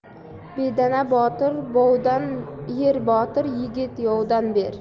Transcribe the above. bedana botir bovdan yer botir yigit yovdan yer